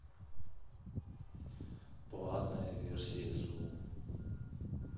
платная версия зум